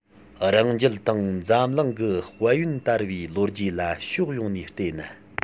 རང རྒྱལ དང འཛམ གླིང གི དཔལ ཡོན དར བའི ལོ རྒྱུས ལ ཕྱོགས ཡོངས ནས བལྟས ན